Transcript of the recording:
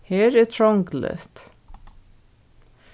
her er trongligt